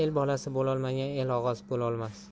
el bolasi bo'lolmagan el og'asi bo'lolmas